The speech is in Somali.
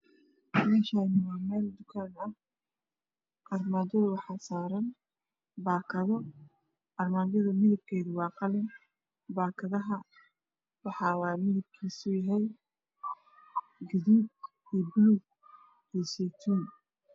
Meshani waa meel dukaan ah armaajada waxaa zaran bakado armaajada midabkeedu waa qlin baakadaha midapkoodu waa gaduud iyo paluug iyo seytuun